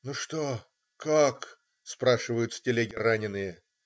"Ну что?", "Как?" - спрашивают с телег раненые.